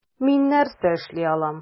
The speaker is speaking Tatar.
Мин нәрсә эшли алам?